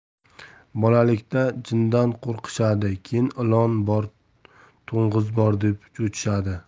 bolalikda jindan qo'rqishadi keyin ilon bor to'ng'iz bor deb cho'chishadi